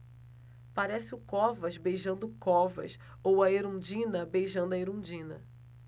parece o covas beijando o covas ou a erundina beijando a erundina